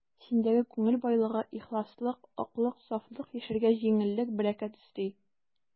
Синдәге күңел байлыгы, ихласлык, аклык, сафлык яшәргә җиңеллек, бәрәкәт өсти.